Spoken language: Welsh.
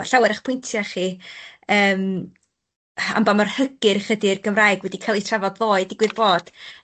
Ma' llawer o'ch pwyntiau chi yym am bo' mor hygyrch ydi'r Gymraeg wedi ca'l 'u trafod ddoe, digwydd bod.